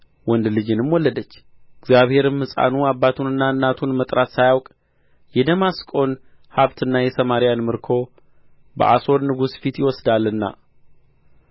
ወንድ ልጅንም ወለደች እግዚአብሔርም ሕፃኑ አባቱንና እናቱን መጥራት ሳያውቅ የደማስቆን ሀብትና የሰማርያን ምርኮ በአሦር ንጉሥ ፊት ይወስዳልና